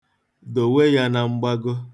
Dowe ya na mgbago.